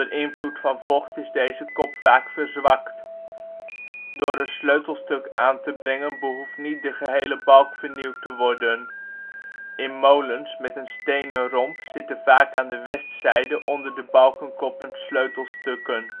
invloed van vocht is deze kop vaak verzwakt. Door een sleutelstuk aan te brengen behoeft niet de gehele balk vernieuwd te worden. In molens met een stenen romp zitten vaak aan de westzijde onder de balkenkoppen sleutelstukken